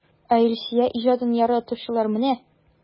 Ә Илсөя иҗатын яратучылар менә!